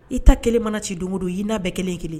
I ta kelen mana ci don o don, o y'i n'a bɛɛ kɛlen ye kelen ye.